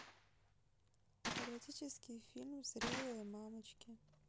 эротический фильм зрелые мамочки